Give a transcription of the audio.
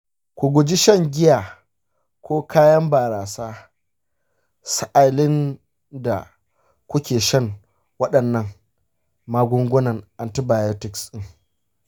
ku guji shan giya ko kayan barasa sa'ilin da kuke shan waɗannan magungunan antibiotics ɗin.